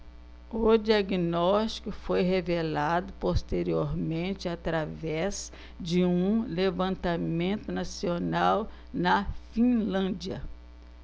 o diagnóstico foi revelado posteriormente através de um levantamento nacional na finlândia